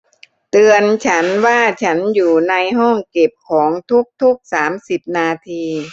เตือนฉันว่าฉันอยู่ในห้องเก็บของทุกทุกสามสิบนาที